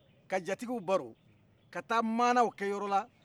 ka jatigiw baro ka taa manaw kɛ yɔrɔla